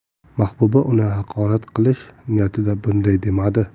mahbuba uni haqorat qilish niyatida bunday demadi